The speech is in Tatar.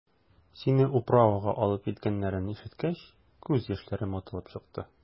Сине «управа»га алып киткәннәрен ишеткәч, күз яшьләрем атылып чыкты.